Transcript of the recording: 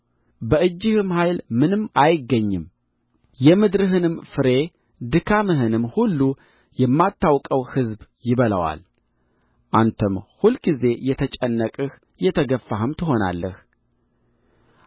በእጅህም ኃይል ምንም አይገኝም የምድርህን ፍሬ ድካምህንም ሁሉ የማታውቀው ሕዝብ ይበላዋል አንተም ሁልጊዜ የተጨነቅህ የተገፋህም ትሆናለህ